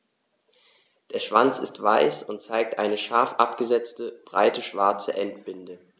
Der Schwanz ist weiß und zeigt eine scharf abgesetzte, breite schwarze Endbinde.